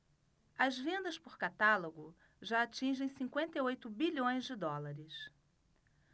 as vendas por catálogo já atingem cinquenta e oito bilhões de dólares